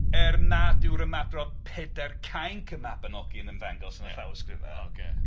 Er nad yw'r ymadrodd Pedair Cainc y Mabinogi'n ymddangos yn y llawysgrifau... Ocê.